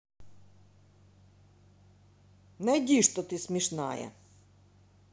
найди что ты смешная